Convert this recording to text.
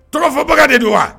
Tɔrɔfɔ bakarijan de don wa